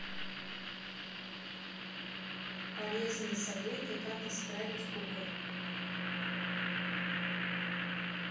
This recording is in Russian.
полезные советы как исправить кукол